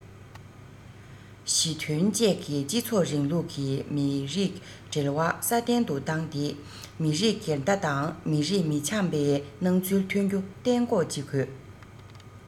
ཞི མཐུན བཅས ཀྱི སྤྱི ཚོགས རིང ལུགས ཀྱི མི རིགས འབྲེལ བ སྲ བརྟན དུ བཏང སྟེ མི རིགས འགལ ཟླ དང མི རིགས མི འཆམ པའི སྣང ཚུལ ཐོན རྒྱུ གཏན འགོག བྱེད དགོས